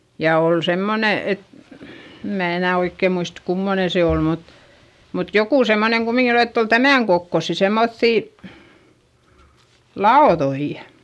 ja oli semmoinen että en minä enää oikein muista kummoinen se oli mutta mutta joku semmoinen kumminkin että oli tämän kokoisia semmoisia lautoja